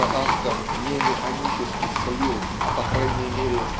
что автор не механически слил а по крайней мере